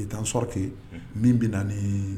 Etan sɔrke min bɛ na ni